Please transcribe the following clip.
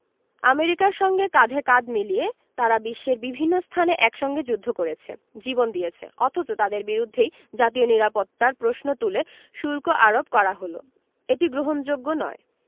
আমেরিকার সঙ্গে কাঁধে কাঁধ মিলিয়ে তারা বিশ্বের বিভিন্ন স্থানে একসঙ্গে যুদ্ধ করেছে জীবন দিয়েছে অথচ তাঁদের বিরুদ্ধেই জাতীয় নিরাপত্তার প্রশ্ন তুলে শুল্ক আরোপ করা হলো এটি গ্রহণযোগ্য নয়